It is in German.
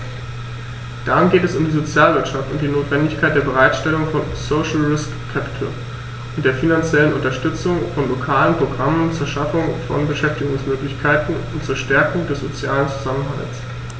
Darin geht es um die Sozialwirtschaft und die Notwendigkeit der Bereitstellung von "social risk capital" und der finanziellen Unterstützung von lokalen Programmen zur Schaffung von Beschäftigungsmöglichkeiten und zur Stärkung des sozialen Zusammenhalts.